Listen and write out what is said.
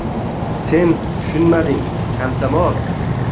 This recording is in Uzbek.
sen tushunmading komsomol